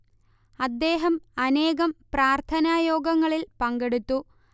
അദ്ദേഹം അനേകം പ്രാർത്ഥനാ യോഗങ്ങളിൽ പങ്കെടുത്തു